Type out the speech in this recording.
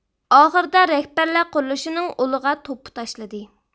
ئاخىرىدا رەھبەرلەر قۇرۇلۇشنىڭ ئۇلىغا توپا تاشلىدى